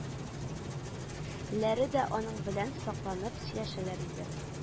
Ләре дә аның белән сакланып сөйләшәләр иде